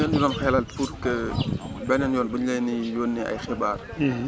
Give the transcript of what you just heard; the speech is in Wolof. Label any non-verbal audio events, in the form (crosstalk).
tey bu ngeen ñu doon xelal pour que (crosstalk) beneen yoon bu ñu leen di yónnee ay xibaar